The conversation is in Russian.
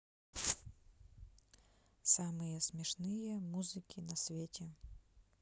самые смешные музыки на свете